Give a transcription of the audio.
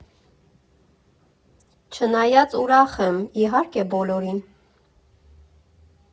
Չնայած ուրախ եմ, իհարկե, բոլորին։